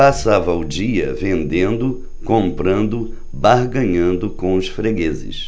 passava o dia vendendo comprando barganhando com os fregueses